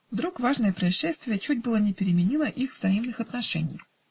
Вдруг важное происшествие чуть было не переменило их взаимных отношений.